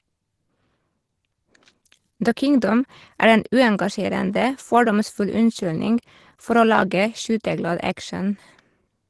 "The Kingdom" er en uengasjerende, fordomsfull unnskyldning for å lage skyteglad action.